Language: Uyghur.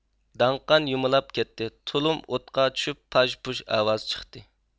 داڭقان يۇمۇلاپ كەتتى تۇلۇم ئوتقا چۈشۈپ پاژ پۇژ ئاۋاز چىقتى